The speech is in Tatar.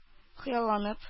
Хыялланып